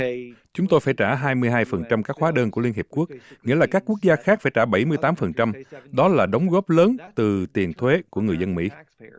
chúng tôi phải trả hai mươi hai phần trăm các hóa đơn của liên hiệp quốc nghĩa là các quốc gia khác phải trả bảy mươi tám phần trăm đó là đóng góp lớn từ tiền thuế của người dân mỹ